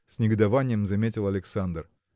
– с негодованием заметил Александр.